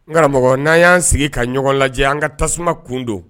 N karamɔgɔ n'a y'an sigi ka ɲɔgɔn lajɛ an ka tasuma kun don